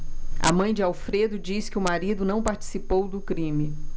a mãe de alfredo diz que o marido não participou do crime